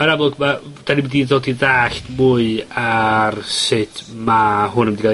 yn amlwg ma', 'dan ni mynd i ddod i ddallt mwy ar sut ma' hwn yn mynd i ga'l effaith